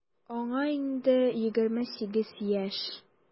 Аңа инде 28 яшь.